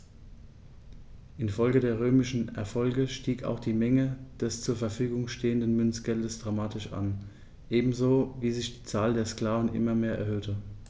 Infolge der römischen Erfolge stieg auch die Menge des zur Verfügung stehenden Münzgeldes dramatisch an, ebenso wie sich die Anzahl der Sklaven immer mehr erhöhte.